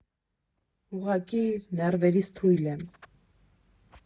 Ուղղակի ներվերից թույլ եմ։